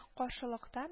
Каршылыкта